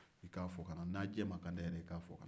i ka fɔ ka na n'aw jɛmakan tɛ yɛrɛ i k'a fɔ ka na